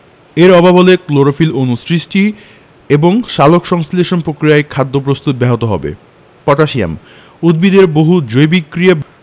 এর অভাব হলে ক্লোরোফিল অণু সৃষ্টি এবং সালোকসংশ্লেষণ প্রক্রিয়ায় খাদ্য প্রস্তুত ব্যাহত হবে পটাশিয়াম উদ্ভিদের বহু জৈবিক ক্রিয়া